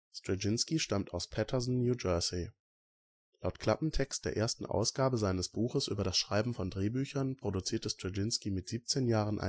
Straczynski stammt aus Paterson (New Jersey). Laut Klappentext der ersten Ausgabe seines Buchs über das Schreiben von Drehbüchern, produzierte Straczynski mit 17 Jahren